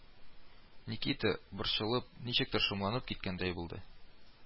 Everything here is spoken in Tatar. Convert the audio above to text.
Никита, борчылып, ничектер шомланып киткәндәй булды